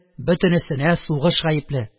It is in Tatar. Бөтенесенә сугыш гаепле